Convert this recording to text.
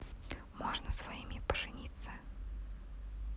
можно своими пожениться